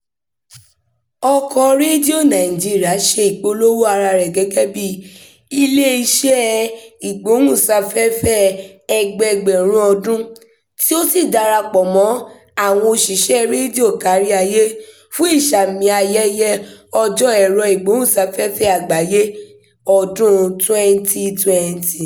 Ọkọ̀ọ Radio Nigeria ṣe ìpolówó ara rẹ̀ gẹ́gẹ́ bíi "iléeṣẹ́ ìgbóhùnsáfẹ́fẹ́ ẹgbẹẹgbẹ̀rún ọdún," tí ó sì darapọ̀ mọ́ àwọn òṣìṣẹ́ rédíò kárí ayé fún ìsààmì ayẹyẹ Ọjọ́ Ẹ̀rọ-ìgbóhùnsáfẹ́fẹ́ Àgbáyé ọdún-un 2020.